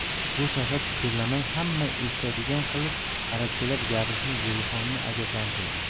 bu safar pichirlamay hamma eshitadigan qilib arabchalab gapirishi zelixonni ajablantirdi